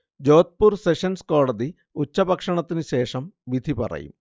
Jodhpur sessions കോടതി ഉച്ചഭക്ഷണത്തിനു ശേഷം വിധി പറയും